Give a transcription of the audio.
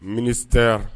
Min sera